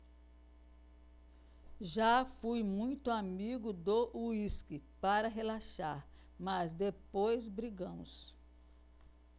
já fui muito amigo do uísque para relaxar mas depois brigamos